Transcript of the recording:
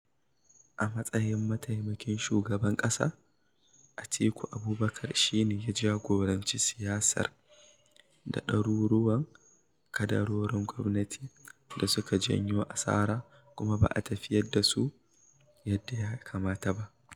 A matsayin mataimakin shugaban ƙasa, Atiku Abubakar shi ne ya jagoranci siyar da ɗaruruwan kadarorin gwamnati da suke jawo asara kuma ba a tafiyar da su yadda ya kamata.